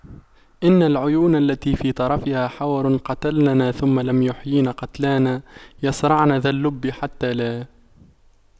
إن العيون التي في طرفها حور قتلننا ثم لم يحيين قتلانا يَصرَعْنَ ذا اللب حتى لا